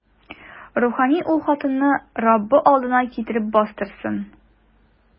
Рухани ул хатынны Раббы алдына китереп бастырсын.